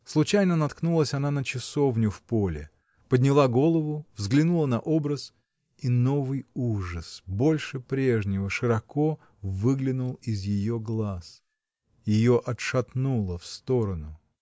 Случайно наткнулась она на часовню, в поле, подняла голову, взглянула на образ — и новый ужас, больше прежнего, широко выглянул из ее глаз. Ее отшатнуло в сторону.